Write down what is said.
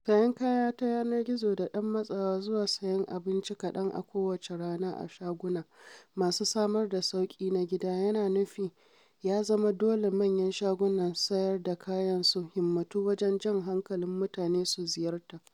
Sayan kaya ta yanar gizo da ‘yar matsawa zuwa sayan abinci kaɗan a kowace rana a shaguna masu samar da sauki na gida yana nufi ya zama dole manyan shagunan sayar da kayan su himmatu wajen jan hankalin mutane su ziyarta.